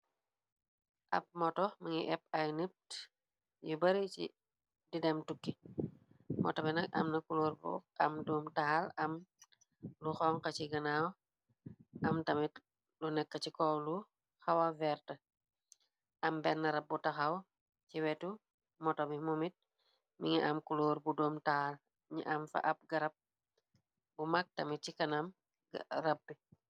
Ab moto mi ngi épp ay nipt yu bare . di dem tukki moto bi nag amna kuloor bu am doom taal am lu xonxa ci ganaaw, am tamit lu nekk ci kow lu xawavert am benn rab bu taxaw ci wetu moto bi mu mit mi ngi am kuloor bu duom taal ni am fa ab garab bu mag tamit ci kanam rab bi